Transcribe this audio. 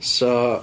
So...